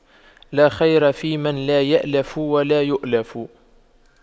لا خير فيمن لا يَأْلَفُ ولا يؤلف